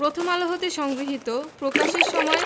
প্রথম আলো হতে সংগৃহীত প্রকাশের সময়